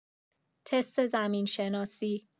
تست زمین‌شناسی